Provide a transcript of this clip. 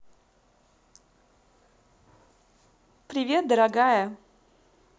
привет дорогая